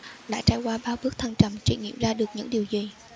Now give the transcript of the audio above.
đã trải qua bao bước thăng trầm chị nghiệm ra được những điều gì